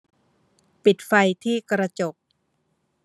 ปิดไฟที่กระจก